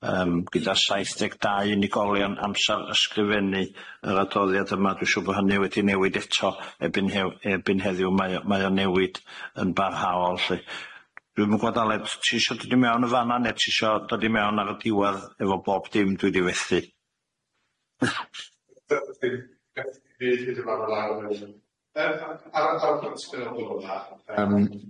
Yym gyda saith deg dau unigolion amsar ysgrifennu yr adroddiad yma, dwi siŵr bo' hynny wedi newid eto erbyn hew- erbyn heddiw mae o mae o newid yn barhaol lly. Dwi'm yn gwad Aled t- ti isio dod i mewn yn fan'na ne' ti isio dod i mewn ar y diwadd efo bob dim dwi di fethu? Yym